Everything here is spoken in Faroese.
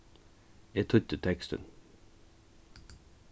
eg týddi tekstin